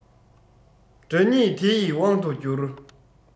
དགྲ ཉིད དེ ཡི དབང དུ འགྱུར